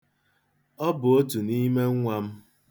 Ọ bụ otu n'ime nnwa m.